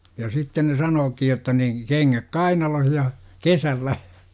ja sitten ne sanookin jotta niin kengät kainalossa ja kesällä